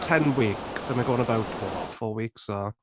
Ten weeks and we’re going in about what, four weeks now.